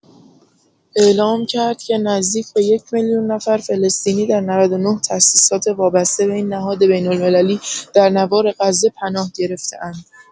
اعلام کرد که نزدیک به یک‌میلیون نفر فلسطینی در ۹۹ تاسیسات وابسته به این نهاد بین‌المللی در نوار غزه پناه گرفته‌اند.